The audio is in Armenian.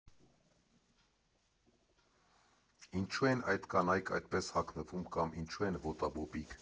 Ինչո՞ւ են այդ կանայք այդպես հագնվում կամ ինչո՞ւ են ոտաբոբիկ։